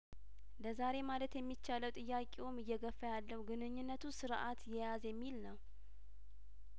ለዛሬ ማለት የሚቻለው ጥያቄውም እየገፋ ያለው ግንኙነቱ ስርአት ይያዝ የሚልነው